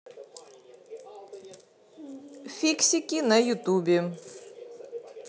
фиксики на ютубе